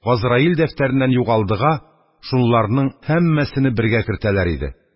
«газраил дәфтәреннән югалды»га шунларның һәммәсене бергә кертәләр иде.